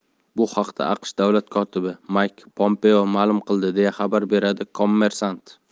bu haqda aqsh davlat kotibi mayk pompeo ma'lum qildi deya xabar beradi kommersant